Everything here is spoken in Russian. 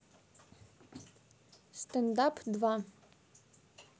стендап два